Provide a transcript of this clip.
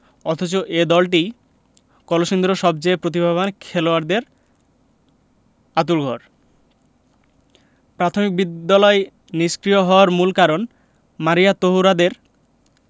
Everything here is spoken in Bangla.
অথচ এই দলটিই কলসিন্দুরের সবচেয়ে প্রতিভাবান খেলোয়াড়দের আঁতুড়ঘর প্রাথমিক বিদ্যালয় নিষ্ক্রিয় হওয়ার মূল কারণ মারিয়া তহুরাদের